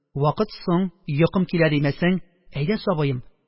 Вакыт соң, йокым килә димәсәң, әйдә, сабыем,